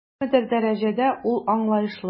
Күпмедер дәрәҗәдә ул аңлаешлы.